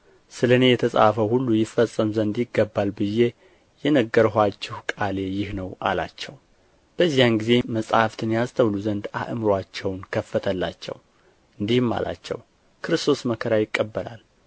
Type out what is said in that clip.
ስለ እኔ የተጻፈው ሁሉ ይፈጸም ዘንድ ይገባል ብዬ የነገርኋችሁ ቃሌ ይህ ነው አላቸው በዚያን ጊዜም መጻሕፍትን ያስተውሉ ዘንድ አእምሮአቸውን ከፈተላቸው እንዲህም አላቸው ክርስቶስ መከራ ይቀበላል